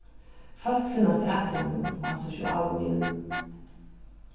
fólk finnast at honum á sosialu miðlunum